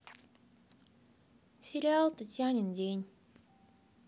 сериал татьянин день